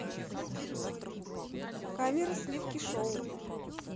камера сливки шоу